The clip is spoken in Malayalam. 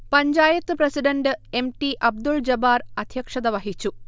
Panchayat president M. T. Abdul Jabbar അധ്യക്ഷതവഹിച്ചു